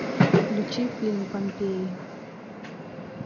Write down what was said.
включи фильм помпеи